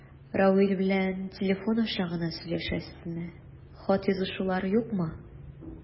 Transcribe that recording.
Равил белән телефон аша гына сөйләшәсезме, хат язышулар юкмы?